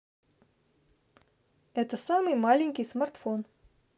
это самый маленький смартфон